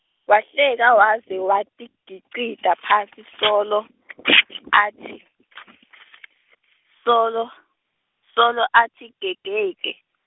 Wahleka waze watigicita phansi, solo , atsi, solo, solo atsi gegege.